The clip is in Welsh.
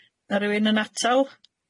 Na rywun yn atal?